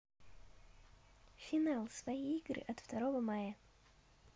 final свои игры от второго мая